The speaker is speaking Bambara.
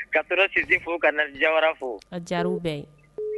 Ka taa kisisin fo ka na jayarara fo jaw bɛ